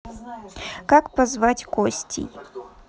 как позвать костей